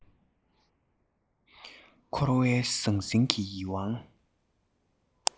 འཁོར བའི ཟང ཟིང གིས ཡིད དབང